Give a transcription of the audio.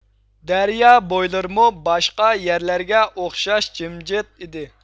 دەريا بويلىرىمۇ باشقا يەرلەرگە ئوخشاش جىمجىت ئىدى